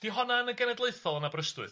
Ydy honna yn y genedlaethol yn Aberystwyth?